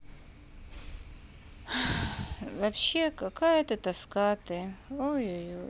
вообще какая то тоска ты